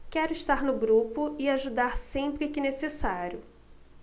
quero estar no grupo e ajudar sempre que necessário